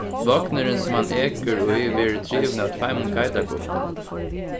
vognurin sum hann ekur í verður drivin av tveimum geitarbukkum